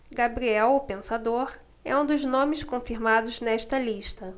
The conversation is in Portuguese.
gabriel o pensador é um dos nomes confirmados nesta lista